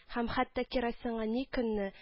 Һәм хәтта керосинга ни көнне